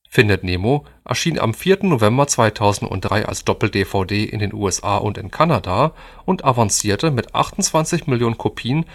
Findet Nemo erschien am 4. November 2003 als Doppel-DVD in den USA und in Kanada und avancierte mit 28 Millionen Kopien